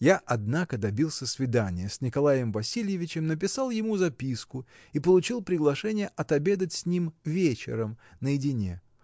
Я, однако, добился свидания с Николаем Васильевичем: написал ему записку и получил приглашение отобедать с ним “вечером” наедине.